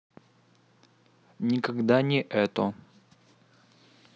никогда не это